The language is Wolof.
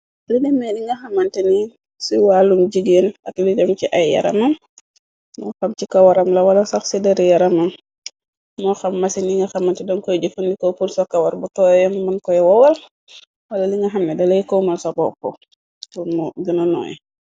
Lideme li nga xamante ni ci wàllum jigeen, ak li dem ci ay yaramam moo xam ci kawaram la wala sax ci deri yaramam, moo xam masin yi nga xamante dan koy jëfandiko pur sa kawar bu tooye mu mën koy wowal, wala li nga xamne dalay komal sa boppu pur gëna nooy.